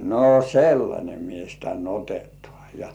no sellainen mies tänne otetaan ja